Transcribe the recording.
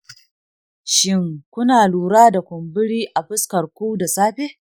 shin, kuna lura da kumburi a fuskar ku da safe?